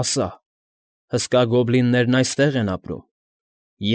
Ասա։ Հսկա գոբլիններն այստեղ են ապրում։